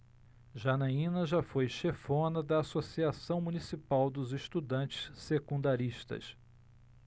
janaina foi chefona da ames associação municipal dos estudantes secundaristas